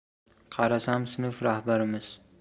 qarasam sinf rahbarimiz